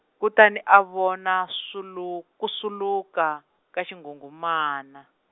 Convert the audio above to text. kutani a vona swulu- ku swuluka, ka xinghunghumani.